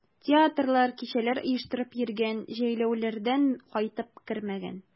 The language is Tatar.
Театрлар, кичәләр оештырып йөргән, җәйләүләрдән кайтып кермәгән.